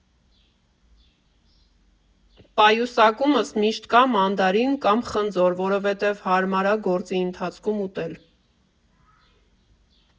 Պայուսակումս միշտ կա մանդարին կամ խնձոր, որովհետև հարմար ա գործի ընթացքում ուտել։